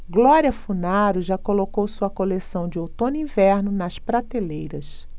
glória funaro já colocou sua coleção de outono-inverno nas prateleiras